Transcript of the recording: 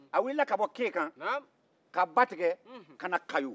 a wilila ka bɔ kekan ka ba tigɛ ka na kayo